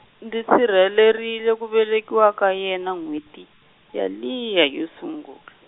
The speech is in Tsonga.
ndzi sirhelerile ku velekiwa ka yena n'hweti yaliya yo sungul-.